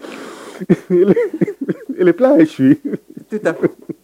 Ye si tɛ